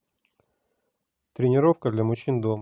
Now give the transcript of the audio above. тренировка для мужчин дома